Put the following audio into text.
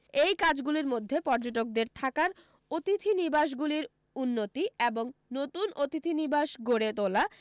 এই কাজগুলির মধ্যে পর্যটকদের থাকার অতিথিনিবাসগুলির উন্নতি এবং নতুন অতিথিনিবাস গড়ে তোলা